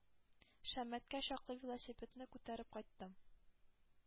Шәммәткә чаклы велосипедны күтәреп кайттым,